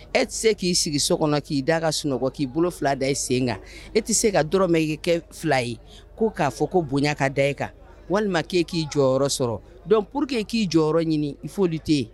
E tɛ se k'i sigi so kɔnɔ k'i da ka sunɔgɔ k'i bolo fila da i sen kan e tɛ se kaɔrɔmɛ kɛ kɛ fila ye ko k'a fɔ ko bonya ka da kan walima k'e k'i jɔyɔrɔ sɔrɔ dɔn pur que k'i jɔyɔrɔ ɲini foyi tɛ yen